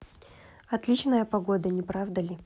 отличная погода не правда ли